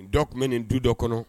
Dɔ tun bɛ nin du dɔ kɔnɔ